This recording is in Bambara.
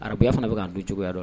Arabuya fana bɛ k'an don cogoya dɔ la